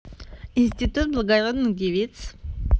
институт благородных девиц